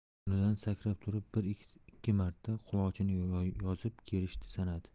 o'rnidan sakrab turib bir ikki marta qulochini yozib kerishdi esnadi